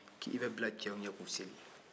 k'i bɛ bila cɛw ɲɛ k'u seli